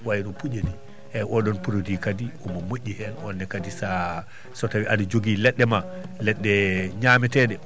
wayi no puƴe ni eeyi oɗon produit kadi omo moƴƴi heen oon ne kadi sa so tawii aɗa jogii leɗɗe ma leɗɗe ñaameteeɗe